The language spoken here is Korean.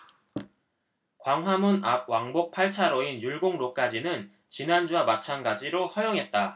광화문 앞 왕복 팔 차로인 율곡로까지는 지난주와 마찬가지로 허용했다